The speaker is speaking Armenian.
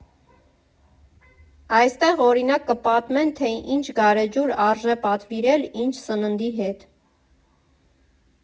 Այստեղ, օրինակ՝ կպատմեն, թե ինչ գարեջուր արժե պատվիրել ինչ սննդի հետ։